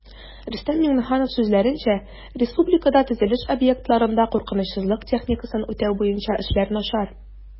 Рөстәм Миңнеханов сүзләренчә, республикада төзелеш объектларында куркынычсызлык техникасын үтәү буенча эшләр начар